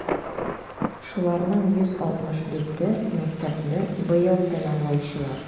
Шуларның 164е - мәктәпне быел тәмамлаучылар.